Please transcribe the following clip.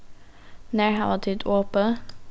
nær hava tit opið